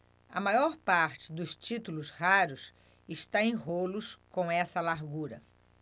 a maior parte dos títulos raros está em rolos com essa largura